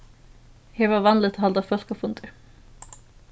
her var vanligt at halda fólkafundir